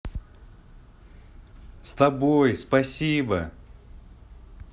с тобой спасибо